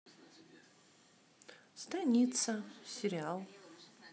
станица сериал